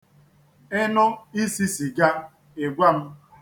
Ị nụ isi sịga, ị gwa m.